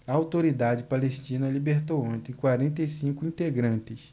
a autoridade palestina libertou ontem quarenta e cinco integrantes